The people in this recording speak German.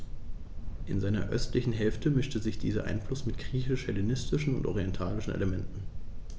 In seiner östlichen Hälfte mischte sich dieser Einfluss mit griechisch-hellenistischen und orientalischen Elementen.